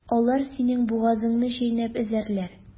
Алар синең бугазыңны чәйнәп өзәрләр.